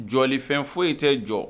Jɔlifɛn foyi e tɛ jɔ